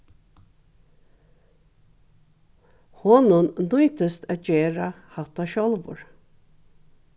honum nýtist at gera hatta sjálvur